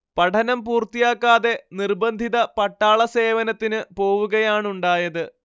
പഠനം പൂർത്തിയാക്കാതെ നിർബദ്ധിത പട്ടാള സേവനത്തിന് പോവുകയാണുണ്ടായത്